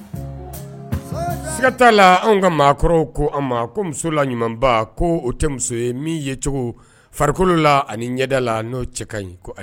Siga t'a la anw ka maakɔrɔw ko an ma ko muso la ɲumanba ko o tɛ muso ye min yecogo farikolo la ani ɲɛda la n'o cɛ kaɲi